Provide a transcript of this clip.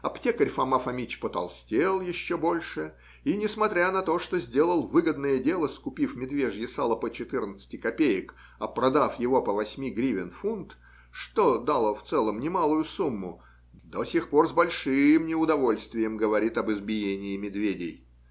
аптекарь Фома Фомич потолстел еще больше и, несмотря на то, что сделал выгодное дело, скупив медвежье сало по четырнадцати копеек, а продав его по восьми гривен фунт, что дало в целом немалую сумму, до сих пор с большим неудовольствием говорит об избиении медведей.